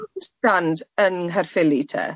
...oes band stand yn Nghaerffili te?